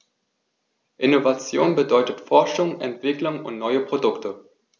Innovation bedeutet Forschung, Entwicklung und neue Produkte.